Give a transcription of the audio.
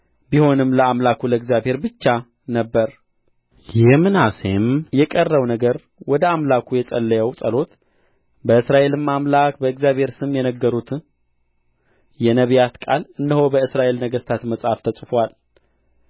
ቢሆንም ለአምላኩ ለእግዚአብሔር ብቻ ነበር የምናሴም የቀረው ነገር ወደ አምላኩም የጸለየው ጸሎት በእስራኤልም አምላክ በእግዚአብሔር ስም የነገሩት የነቢያት ቃል እነሆ በእስራኤል ነገሥታት መጽሐፍ ተጽፎአል